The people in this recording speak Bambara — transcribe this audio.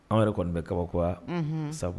Anw yɛrɛ kɔni bɛ kabakoya, unhun ,sabu.